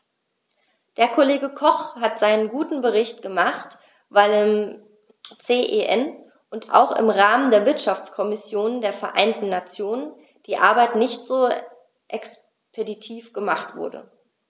Der Kollege Koch hat seinen guten Bericht gemacht, weil im CEN und auch im Rahmen der Wirtschaftskommission der Vereinten Nationen die Arbeit nicht so expeditiv gemacht wurde.